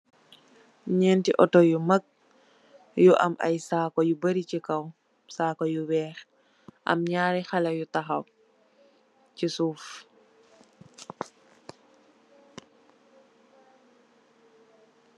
Ñénti Otto yu mak yu am ay am ay sako yu barri ci kaw , sako yu wèèx am ñaari xalèh yu taxaw ci suuf .